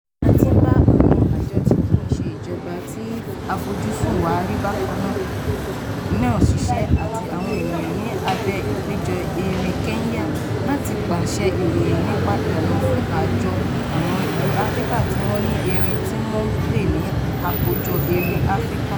A ti ń bá àwọn àjọ tí kìí ṣe ti ìjọba tí àfojúsùn wa rí bákan náà ṣiṣẹ́ àti àwọn ènìyàn ní abẹ́ ìpéjọ erin Kenya(KEF) láti pèsè ìròyìn nípa ìlànà fún àjọ àwọn ìlú Áfríkà tí wọ́n ní erin tí wọ́n ń pè ní àkójọ erin Áfríkà (AEC).